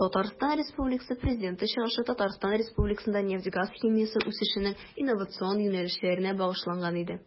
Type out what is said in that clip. ТР Президенты чыгышы Татарстан Республикасында нефть-газ химиясе үсешенең инновацион юнәлешләренә багышланган иде.